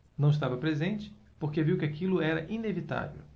não estava presente porque viu que aquilo era inevitável